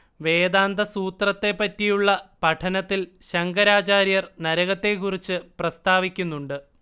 വേദാന്തസൂത്രത്തെപ്പറ്റിയുള്ള പഠനത്തിൽ ശങ്കരാചാര്യർ നരകത്തെക്കുറിച്ച് പ്രസ്താവിക്കുന്നുണ്ട്